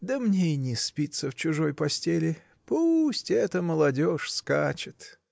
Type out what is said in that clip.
да мне и не спится в чужой постели. Пусть эта молодежь скачет.